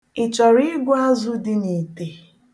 Ị chọrọ ịgụ azụ dị n'ite?